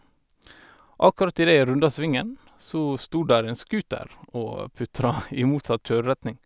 Akkurat idet jeg runda svingen, så stod der en scooter og putra i motsatt kjøreretning.